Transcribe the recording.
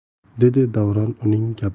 dedi davron uning